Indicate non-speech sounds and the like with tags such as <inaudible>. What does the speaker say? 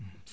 <hesitation> <hesitation>